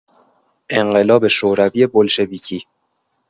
انقلاب شوروی بلشویکی